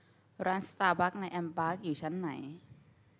ร้านสตาร์บัคในแอมปาร์คอยู่ชั้นไหน